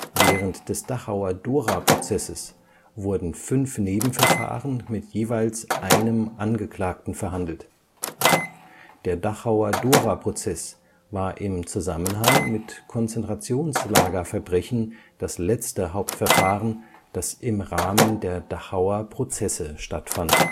Während des Dachauer Dora-Prozesses wurden fünf Nebenverfahren mit jeweils einem Angeklagten verhandelt. Der Dachauer Dora-Prozess war im Zusammenhang mit Konzentrationslagerverbrechen das letzte Hauptverfahren, das im Rahmen der Dachauer Prozesse stattfand